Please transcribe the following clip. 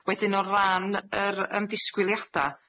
Wedyn o ran yr yym disgwyliada,